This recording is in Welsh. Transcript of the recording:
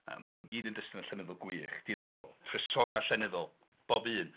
Maen nhw gyd yn destunau llenyddol gwych dioddorol, trysorau llenyddol. Bob un.